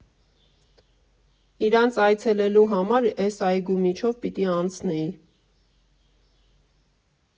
Իրանց այցելելու համար էս այգու մեջով պիտի անցնեի։